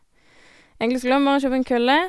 Egentlig skulle han bare kjøpe en kølle.